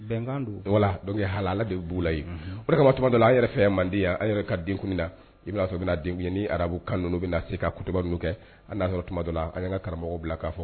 Bɛnkan do do la o de kama tumado la an yɛrɛ fɛ ya Mande ya an yɛrɛ ka denkundi na i bɛ na ni arabukan ninnu bɛna se ka kutuba ninnu kɛ hali n'a y'a sɔrɔ tumado la an y'an ka karamɔgɔ bila k'a